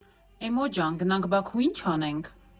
«Էմո ջան, գնանք Բաքու, ի՞նչ անենք.